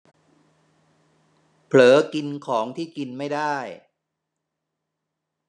เผลอกินของที่กินไม่ได้